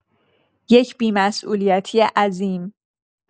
یک بی‌مسولیتی عظیم